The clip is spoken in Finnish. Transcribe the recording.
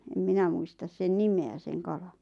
en minä muista sen nimeä sen kalan